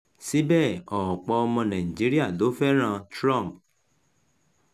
Síbẹ̀, ọ̀pọ̀ ọmọ Nàìjíríà ló fẹ́ràn-an Trump.